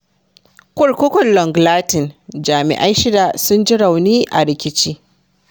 Kurkukun Long Lartin: Jami’ai shida sun ji rauni a rikici